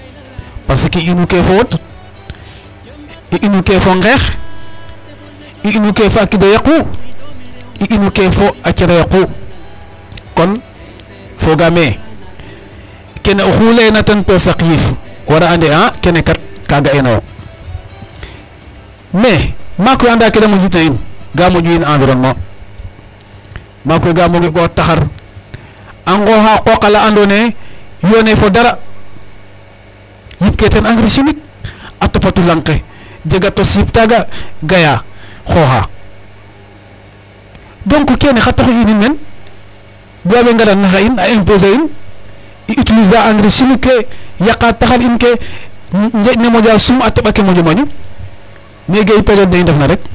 Parce que i inukee fo wod, i inukee fo nqeex ,i inukee fo a kid a yaqwu ,i inukee fo a caf a yaqwu kon foogaam ee kene oxu layeena ten to saq yiif wara ande kay a ka ga'eenaayo .Mais maak we anda ke da moƴitna in ga moƴ'u in environnement maak we ga mboŋit'uyo taxar a nqooxaa qooq ala andoona yee yoonee fo dara yipkee teen engrais chimique a topatu lanq ke jega tos yip taaga gayaa xooxaa donc kene xato i inin meen. Duɓaaɓ ke ngara nax a in a imposer a in i utiliser a engrais chimique yaqaa taxar in ke njeeƈ ne moƴaa sum taxar ke moƴa mbañu mais ga'i période ne i ndefna rek.